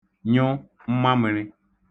nyụ mmamị̄rị̄